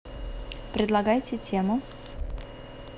предлагайте тему